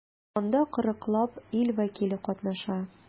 Анда 40 лап ил вәкиле катнаша.